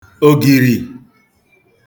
ògìrì